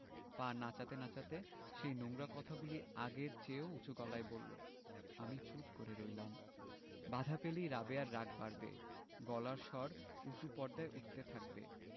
পা নাচাতে নাচাতে সেই নোংরা কথাগুলি আগের চেয়েও উচু গলায় বললো আমি চুপ করে রইলাম বাধা পেলেই রাবেয়ার রাগ বাড়বে গলার স্বর উচু পর্দায় উঠতে থাকবে